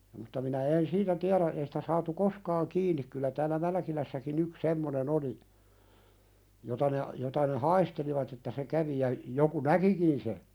mutta minä en siitä tiedä ei sitä saatu koskaan kiinni kyllä täällä Mälkilässäkin yksi semmoinen oli jota ne jota ne haistelivat että se kävi ja joku näkikin se